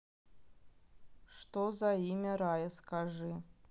что за имя рая скажи